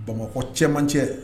Bamakɔ cɛman man cɛ